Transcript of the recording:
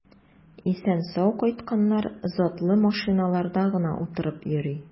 Исән-сау кайтканнар затлы машиналарда гына утырып йөри.